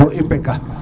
to i mbega